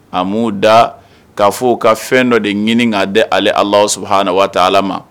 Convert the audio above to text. A m'u da k'a f'u ka fɛn dɔ de ɲini ka di ale Allahou soubhana watal Allah ma.